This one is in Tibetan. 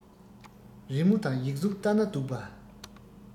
རི མོ དང ཡིག གཟུགས ལྟ ན སྡུག པ